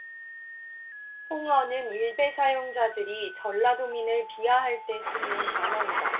홍어는 일베 사용자들이 전라도민들을 비하할 때 쓰는 단어이다